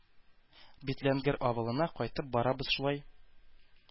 Битләнгер авылына кайтып барабыз шулай,